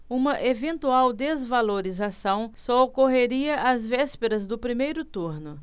uma eventual desvalorização só ocorreria às vésperas do primeiro turno